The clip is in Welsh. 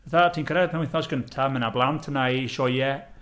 Fatha ti'n cyrraedd penwythnos gynta, ma' 'na blant yna i sioeau.